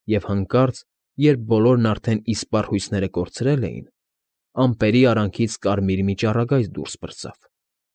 Եվ հանկարծ, երբ բոլորն արդեն իսպառ հույսները կորցրել էին, ամպերի արանքից կարմիր մի ճառագայթ դուրս պրծավ։